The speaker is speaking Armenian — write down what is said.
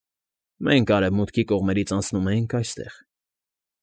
Մենք արևմուտքի կողմերից անցնում էինք այստեղ։